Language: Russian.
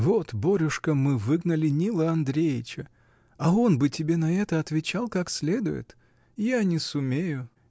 — Вот, Борюшка, мы выгнали Нила Андреича, а он бы тебе на это отвечал, как следует. Я не сумею.